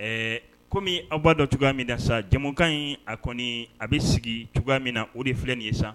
Ɛɛ kɔmi aw b'a dɔ cogoya min da sa jamukan in a kɔni a bɛ sigi cogoya min na o de filɛ nin ye san